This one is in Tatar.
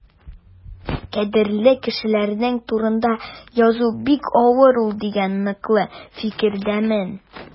Кадерле кешеләрең турында язу бик авыр ул дигән ныклы фикердәмен.